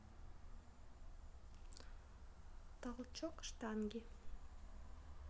толчок штанги